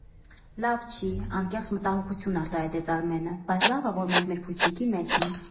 ֊ Լավ չի, ֊ անկեղծ մտահոգություն արտահայտեց Արմենը, ֊ բայց լավ ա, որ մենք մեր փուչիկի մեջ ենք։